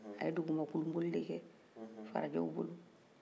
a ye dugumakurunboli de kɛ farajɛw bolo